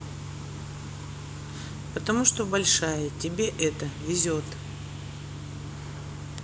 потому что большая тебе это везет